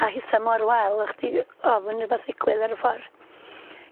A hitha mor wael o' chdi ofn rwbath ddigwydd ar y ffor.